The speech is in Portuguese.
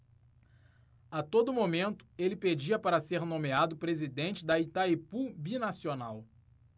a todo momento ele pedia para ser nomeado presidente de itaipu binacional